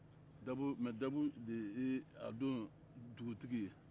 mɛ dabo de y'a don duguti ye